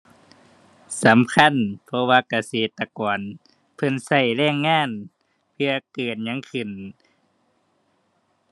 สำคัญเพราะว่าเกษตรกร เพิ่นใช้แรงงาน เทื่อเกิดหยังขึ้น